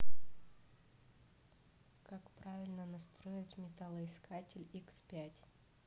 как правильно настроить металлоискатель икс пять